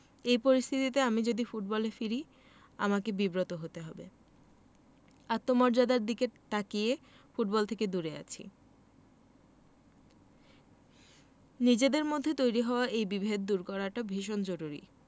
এই পরিস্থিতিতে আমি যদি ফুটবলে ফিরি আমাকে বিব্রত হতে হবে আত্মমর্যাদার দিকে তাকিয়ে ফুটবল থেকে দূরে আছি নিজেদের মধ্যে তৈরি হওয়া এই বিভেদ দূর করাটা ভীষণ জরুরি